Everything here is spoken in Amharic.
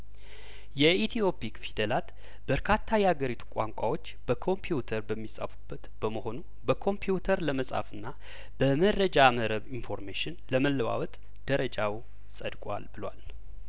የኢትዮ ፒክ ፊደላት በርካታ ያገሪቱ ቋንቋዎች በኮምፒውተር በሚጻፉበት በመሆኑ በኮምፒውተር ለመጻፍና በመረጃ መረብ ኢንፎርሜሽን ለመለዋወጥ ደረጃው ጸድቋል ብሏል